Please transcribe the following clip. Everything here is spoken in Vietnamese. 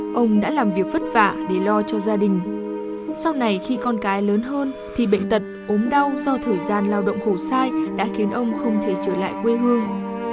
ông đã làm việc vất vả để lo cho gia đình sau này khi con cái lớn hơn thì bệnh tật ốm đau do thời gian lao động khổ sai đã khiến ông không thể trở lại quê hương